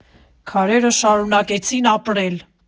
Քարերը շարունակեցին ապրել։